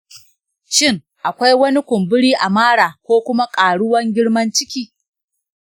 shin akwai wani kumburi a mara ko kuma ƙaruwan girman ciki?